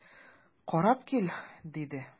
Карап кил,– диде.